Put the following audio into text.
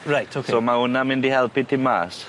Reit oce. So ma' wnna mynd i helpu ti mas.